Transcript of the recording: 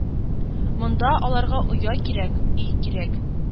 Монда аларга оя кирәк, өй кирәк...